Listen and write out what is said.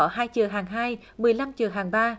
hai chợ hạng hai mười lăm chợ hạng ba